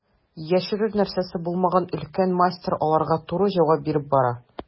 Яшерер нәрсәсе булмаган өлкән мастер аларга туры җавап биреп бара.